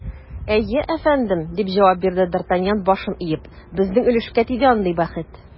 Әйе, әфәндем, - дип җавап бирде д’Артаньян, башын иеп, - безнең өлешкә тиде андый бәхет.